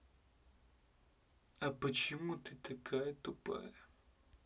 а почему ты такая тупая